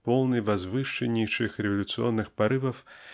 полный возвышеннейших революционных порывов